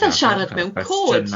Ma' fel sharad mewn cod.